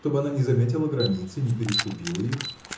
чтоб она не заметила границ и не переступила их